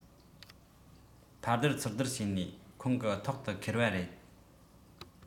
ཕར སྡུར ཚུར སྡུར བྱས ནས ཁོང གི ཐོག ཏུ འཁེལ བ རེད